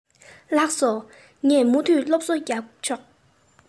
ལགས སོ ངས མུ མཐུད སློབ གསོ རྒྱབ ཆོག